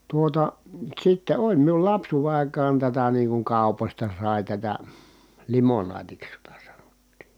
tuota sitten oli minun lapsuuden aikaan tätä niin kuin kaupoista sai tätä limonaatiksi jota sanottiin